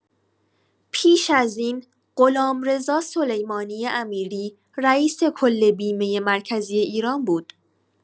پیش از این غلامرضا سلیمانی امیری رئیس‌کل بیمه مرکزی ایران بود.